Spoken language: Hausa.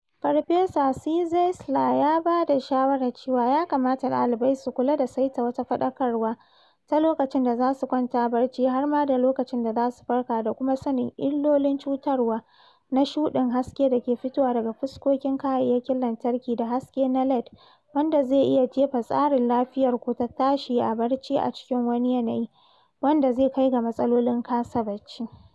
Farfesa Czeisler ya ba shawarar cewa ya kamata ɗalibai su kula da saita wata faɗakarwa ta lokacin da za su kwanta barci, har ma da lokacin da za su farka, da kuma sanin illolin cutarwa na ‘shuɗin haske’ da ke fitowa daga fuskokin kayayyakin lantarki da haske na LED, wanda zai iya jefa tsarin lafiyarku ta tashi a barci a cikin wani yanayi, wanda zai kai ga matsalolin kasa barci.